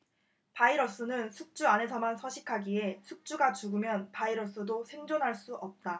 바이러스는 숙주 안에서만 서식하기에 숙주가 죽으면 바이러스도 생존할 수 없다